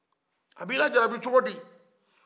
a bɛ i lajarabi cogodi